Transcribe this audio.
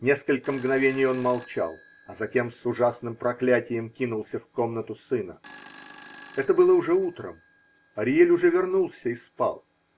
Несколько мгновений он молчал, а затем с ужасным проклятием кинулся в комнату сына. Это было утром. Ариэль уже вернулся и спал.